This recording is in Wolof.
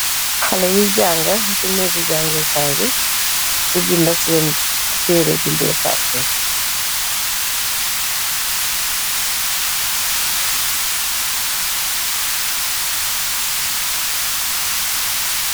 Xalèh yi janga ci nehgi jangèè kai bi di binda sèèn terreh bindè kay bi.